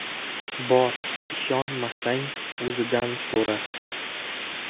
bor ishonmasang o'zidan so'ra